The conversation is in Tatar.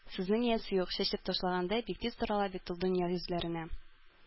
Сүзнең иясе юк, чәчеп ташлагандай, бик тиз тарала бит ул дөнья йөзләренә.